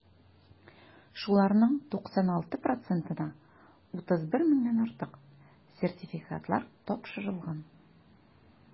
Шуларның 96 процентына (31 меңнән артык) сертификатлар тапшырылган.